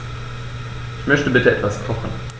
Ich möchte bitte etwas kochen.